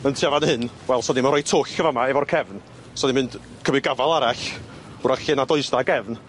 yn tua fan hyn, wel, swn ni'm yn roi twll y' fa' 'ma efo'r cefn, so ni'n mynd cymryd gafal arall, 'w'rach lle na does na gefn.